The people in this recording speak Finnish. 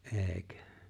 eikö